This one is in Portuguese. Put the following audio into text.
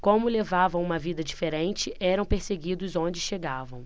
como levavam uma vida diferente eram perseguidos onde chegavam